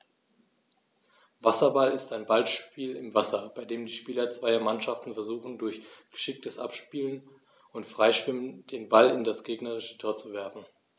Wasserball ist ein Ballspiel im Wasser, bei dem die Spieler zweier Mannschaften versuchen, durch geschicktes Abspielen und Freischwimmen den Ball in das gegnerische Tor zu werfen.